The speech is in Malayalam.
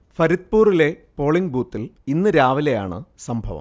ഫരിദ്പുറിലെ പോളിങ് ബൂത്തിൽ ഇന്ന് രാവിലെയാണ് സംഭവം